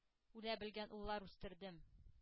Үлә белгән уллар үстердем.